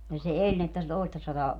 ja se eli niin että se toistasataa